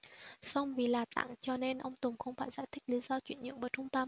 song vì là tặng cho nên ông tùng không phải giải thích lý do chuyển nhượng với trung tâm